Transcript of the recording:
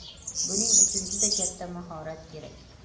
buning uchun juda katta mahorat kerak